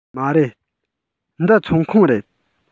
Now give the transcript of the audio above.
མ རེད འདི ཚོང ཁང རེད